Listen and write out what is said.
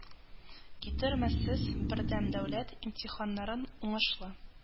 Китермәссез, бердәм дәүләт имтиханнарын уңышлы